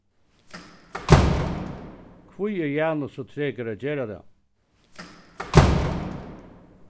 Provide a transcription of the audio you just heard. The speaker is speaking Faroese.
hví er janus so trekur at gera tað